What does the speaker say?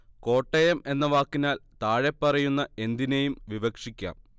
കോട്ടയം എന്ന വാക്കിനാൽ താഴെപ്പറയുന്ന എന്തിനേയും വിവക്ഷിക്കാം